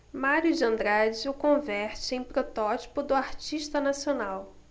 mário de andrade o converte em protótipo do artista nacional